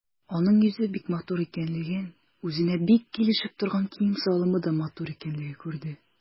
Аның йөзе бик матур икәнлеген, үзенә бик килешеп торган кием-салымы да матур икәнлеген күрде.